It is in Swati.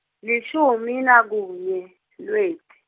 lishumi nakunye, Lweti.